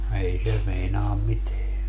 ei se meinaa mitään